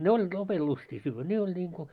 ne oli lopen lystiä syödä ne oli niin kuin